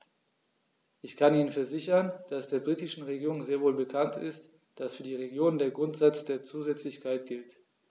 Ich kann Ihnen versichern, dass der britischen Regierung sehr wohl bekannt ist, dass für die Regionen der Grundsatz der Zusätzlichkeit gilt.